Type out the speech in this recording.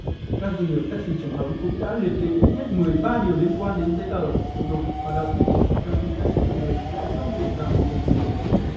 các doanh nghiệp tắc xi truyền thống cũng đã liệt kê ít nhất mười ba điều liên quan đến giấy tờ thủ tục hoạt động trong khi tắc xi công nghệ lại không bị ràng buộc điều gì